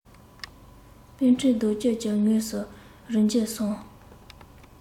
པ ཊའི རྡོ གཅལ གྱི ངོས ས རུ འགྱེལ སོང